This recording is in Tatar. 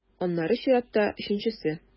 Аннары чиратта - өченчесе.